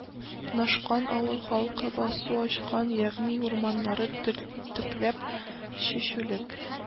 Нашкан авыл халкы басу ачкан, ягъни урманны төпләп, чәчүлек